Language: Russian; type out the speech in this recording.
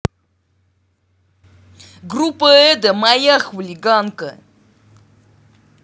группа эgo моя хулиганка